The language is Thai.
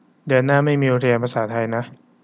เดือนหน้าไม่มีเรียนภาษาไทยนะ